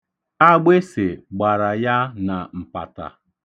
Agbịsị gbara ya na mpata.